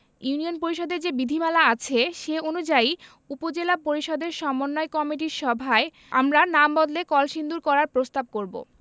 union পরিষদের যে বিধিমালা আছে সে অনুযায়ী উপজেলা পরিষদের সমন্বয় কমিটির সভায় আমরা নাম বদলে কলসিন্দুর করার প্রস্তাব করব